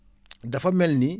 dafa mel ni